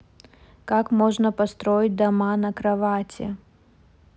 как можно построить дома на кровати